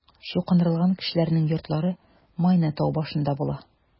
Чукындырылган кешеләрнең йортлары Майна тау башында була.